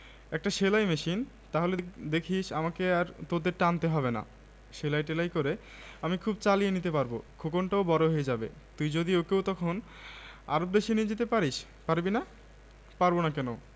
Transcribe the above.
০২ খেলাধুলা ফুটবলের মেয়েরা বদলে দিল জনপদ পিচ ওঠা ধুলো ওড়া এবড়োথেবড়ো দীর্ঘ পথ পেরিয়ে কলসিন্দুর স্কুলমাঠে পৌঁছেই মনটা ভালো হয়ে গেল